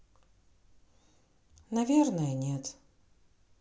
наверное нет